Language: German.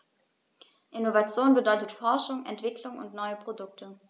Innovation bedeutet Forschung, Entwicklung und neue Produkte.